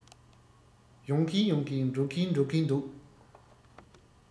ཡོང གིན ཡོང གིན འགྲོ གིན འགྲོ གིན འདུག